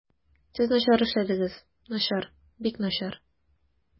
Сез начар эшләдегез, начар, бик начар.